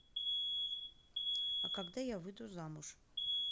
а когда я выйду замуж